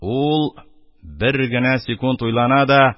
Ул бер генә секунд уйлана да,